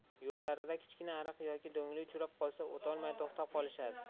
yo'llarida kichkina ariq yoki do'nglik uchrab qolsa o'tolmay to'xtab qolishadi